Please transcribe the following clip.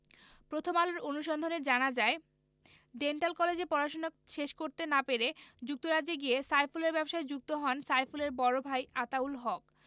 প্রথম আলোর অনুসন্ধানে জানা যায় ডেন্টাল কলেজে পড়াশোনা শেষ করতে না পেরে যুক্তরাজ্যে গিয়ে সাইফুলের ব্যবসায় যুক্ত হন সাইফুলের বড় ভাই আতাউল হক